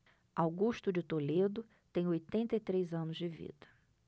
augusto de toledo tem oitenta e três anos de vida